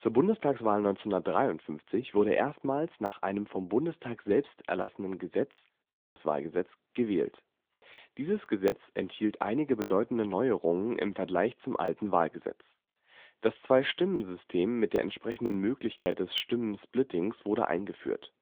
Bundestagswahl 1953 wurde erstmals nach einem vom Bundestag selbst erlassenen Gesetz (Bundeswahlgesetz) gewählt. Dieses Gesetz enthielt einige bedeutende Neuerungen im Vergleich zum alten Wahlgesetz: Das Zweistimmensystem mit der entsprechenden Möglichkeit des Stimmensplittings wurde eingeführt